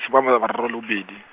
some ame mararo lo bedi.